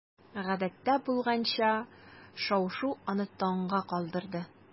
Гадәттә булмаганча шау-шу аны таңга калдырды.